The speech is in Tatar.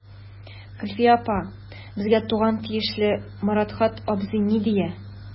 Гөлфия апа, безгә туган тиешле Моратхан абзый ни дия.